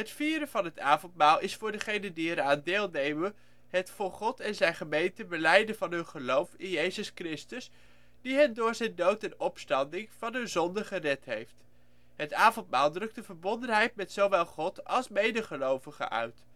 vieren van het avondmaal is voor degenen die eraan deelnemen het voor God en Zijn gemeente belijden van hun geloof in Jezus Christus, die hen door zijn dood en opstanding van hun zonden gered heeft. Het avondmaal drukt een verbondenheid met zowel God als de medegelovigen uit